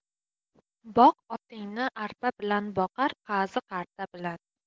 boq otingni arpa bilan boqar qazi qarta bilan